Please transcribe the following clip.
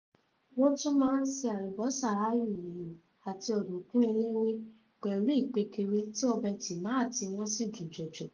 Wọ́n tún máa ń se àlùbọ́sà aáyù yíyan àti ọ̀dùnkún eléwé, pẹ̀lú ìpékeré tí ọbẹ̀ tìmáàtì wọn sì dùn jọjọ.